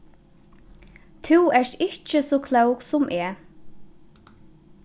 tú ert ikki so klók sum eg